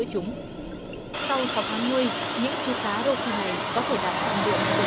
giữa chúng sau sáu tháng nuôi những chú cá rô phi này có thể đạt trọng lượng từ